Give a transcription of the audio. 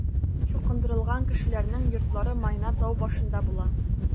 Чукындырылган кешеләрнең йортлары Майна тау башында була.